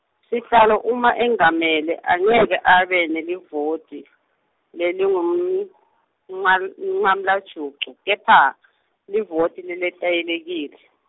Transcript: sihlalo uma engamele angeke abe nelivoti lelingum- -umnca -umncalajucu kepha livoti leletayelekile.